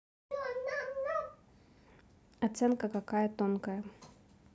оценка какая тонкая